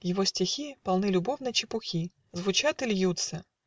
его стихи, Полны любовной чепухи, Звучат и льются.